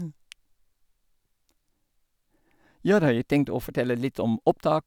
Ja, da har jeg tenkt å fortelle litt om opptak.